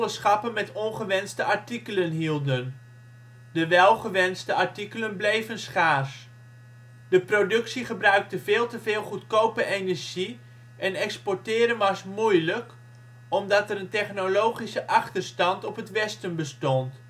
schappen met ongewenste artikelen hielden. De wel gewenste artikelen bleven schaars. De productie gebruikte veel te veel goedkope energie en exporteren was moeilijk omdat er een technologische achterstand op het Westen bestond